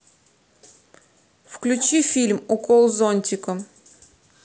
включи фильм укол зонтиком